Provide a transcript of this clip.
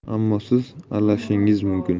ammo siz aralashishingiz mumkin